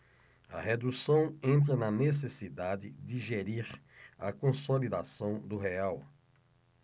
a redução entra na necessidade de gerir a consolidação do real